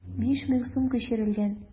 5000 сум күчерелгән.